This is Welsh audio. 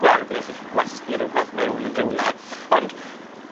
gweld ble chi 'chy gwasgu rwbeth mewn yn rywle, ond